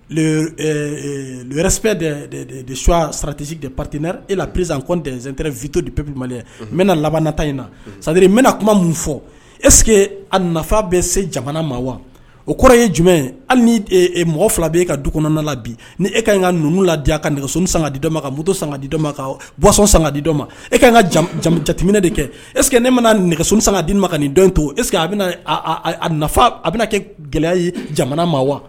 sɛ de suwa saratisi de pate e la psi kɔn ntɛnp tɛ vit de pepi mali n na labananata in na sadiri n bɛna kuma min fɔ eseke a nafa bɛ se jamana ma wa o kɔrɔ ye jumɛn ye hali mɔgɔ fila bɛ e ka du kɔnɔna la bi' e ka kanan ka ninnu ladiya ka nɛgɛso sanga dima ka mu sanga didɔ ma ka bɔnsɔn sanga d didɔ ma e ka ka jateminɛ de kɛ eseke ne mana nɛgɛso sanga d dii ma ka nin don to eseke nafa a bɛna kɛ gɛlɛya ye jamana ma wa